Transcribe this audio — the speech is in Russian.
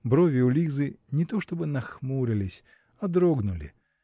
Брови у Лизы -- не то чтобы нахмурились, а дрогнули